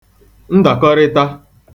ndàkọrịta